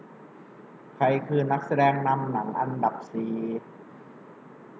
ใครคือนักแสดงนำหนังอันดับสี่